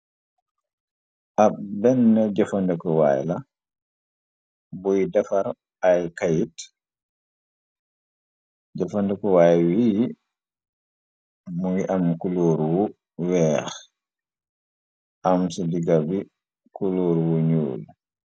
ab benn jëfandekuwaay la buy defar ay kayit jëfandekuwaayu yii mungi am kuloor wu weex am ci digal bi kuloor wu ñjuuli